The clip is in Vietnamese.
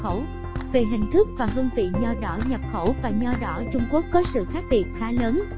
về hình thức và hương vị nho đỏ nhập khẩu và nho trung quốc có sự khác biệt khá lớn